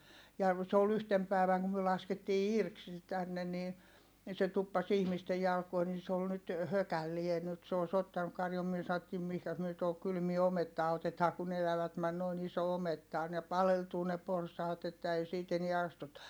ja se oli yhtenä päivänä kun me laskettiin irti se tänne niin niin se tuppasi ihmisten jalkoihin niin se oli nyt hökällään nyt se olisi ottanut karjun me sanottiin mihinkäs me tuohon kylmään omettaan otetaan kun elävät meni noin iso ometta on ne paleltuu ne porsaat että ei siitä enää astuta